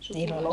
sukulaisille